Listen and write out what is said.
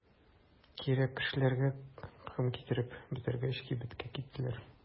Кирәк кешеләргә ком китереп бетергәч, кибеткә китәләр.